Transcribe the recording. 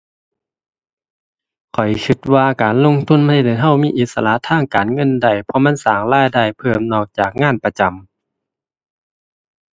ข้อยคิดว่าการลงทุนมันเฮ็ดให้เรามีอิสระทางการเงินได้ เพราะมันสร้างรายได้เพิ่มนอกจากงานประจำ